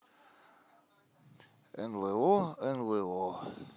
нло нло